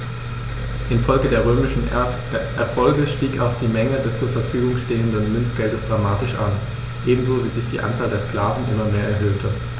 Infolge der römischen Erfolge stieg auch die Menge des zur Verfügung stehenden Münzgeldes dramatisch an, ebenso wie sich die Anzahl der Sklaven immer mehr erhöhte.